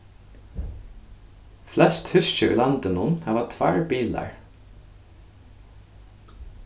flest húski í landinum hava tveir bilar